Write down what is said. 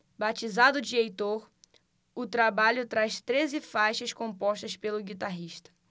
batizado de heitor o trabalho traz treze faixas compostas pelo guitarrista